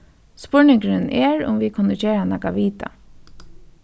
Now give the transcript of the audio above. spurningurin er um vit kunnu gera nakað við tað